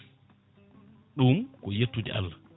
ɗum ko yettude Allah